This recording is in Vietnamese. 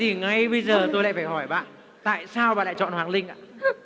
thì ngay bây giờ tôi lại phải hỏi bạn tại sao bạn lại chọn hoàng linh ạ